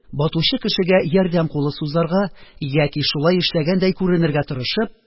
Батучы кешегә ярдәм кулы сузарга яки шулай эшләгәндәй күренергә тырышып